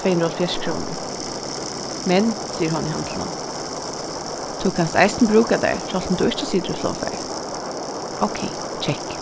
tvey hundrað og hálvfjerðs krónur men sigur hon í handlinum tú kanst eisini brúka teir sjálvt um tú ikki situr í flogfari ókey kekk